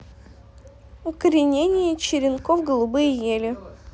укоренение черенков голубые ели